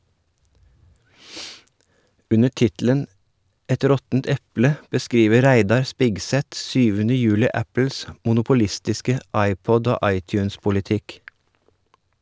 Under tittelen "Et råttent eple" beskriver Reidar Spigseth 7. juli Apples monopolistiske iPod- og iTunes-politikk.